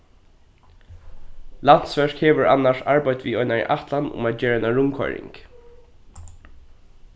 landsverk hevur annars arbeitt við einari ætlan um at gera eina rundkoyring